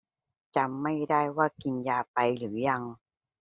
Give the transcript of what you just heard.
จำไม่ได้ว่ากินยาไปหรือยัง